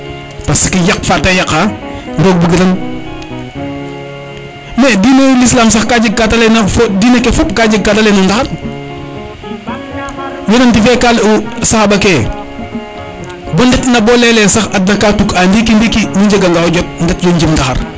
parce que yaq fa te yaqa roog bugiran mais diine l' islam sax ka jeg kate leyna fo diine ke fop ka jeg kade leyna no ndaxar Yonent fe ka ley u saxaba ke ye bon ndet ina bo leyele sax adna ka tuk'a ndiki ndiki nu njega nga o jot ndet yo njim ndaxar